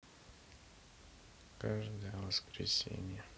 каждое воскресенье